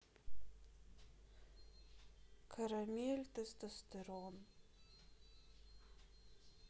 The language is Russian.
карамель тестостерон